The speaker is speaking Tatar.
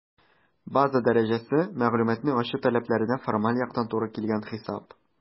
«база дәрәҗәсе» - мәгълүматны ачу таләпләренә формаль яктан туры килгән хисап.